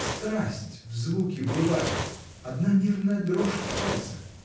страсть в звуки вливает — одна нервная дрожь пальца!